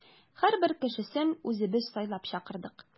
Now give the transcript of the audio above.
Һәрбер кешесен үзебез сайлап чакырдык.